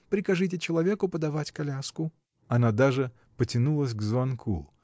Прикажите человеку подавать коляску!. Она даже потянулась к звонку.